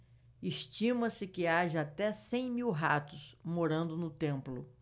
estima-se que haja até cem mil ratos morando no templo